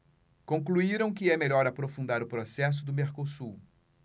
concluíram que é melhor aprofundar o processo do mercosul